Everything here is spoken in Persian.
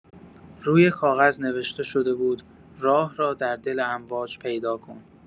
روی کاغذ نوشته شده بود: راه را در دل امواج پیدا کن.